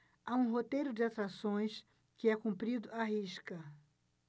há um roteiro de atrações que é cumprido à risca